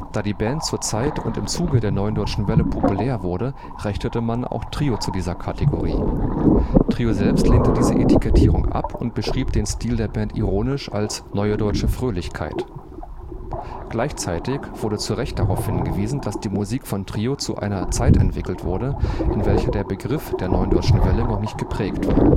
Da die Band zur Zeit und im Zuge der Neuen Deutschen Welle populär wurde, rechnete man auch Trio zu dieser Kategorie. Trio selbst lehnte diese Etikettierung ab und beschrieb den Stil der Band ironisch als „ Neue Deutsche Fröhlichkeit “. Gleichzeitig wurde zu recht darauf hingewiesen, dass die Musik von Trio zu einer Zeit entwickelt wurde, in welcher der Begriff der Neuen Deutschen Welle noch nicht geprägt war